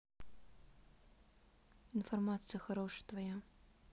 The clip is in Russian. информация хорошая твоя